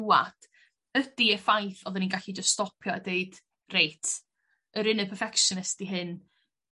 dŵad ydi y ffaith oddan ni'n gallu dy stopio a deud reit yr perfectionist 'di hyn.